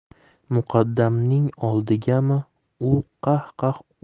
muqaddamning oldigami u qah qah